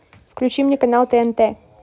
включи мне канал тнт